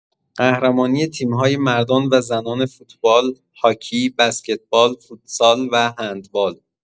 قهرمانی تیم‌های مردان و زنان فوتبال، هاکی، بسکتبال، فوتسال و هندبال!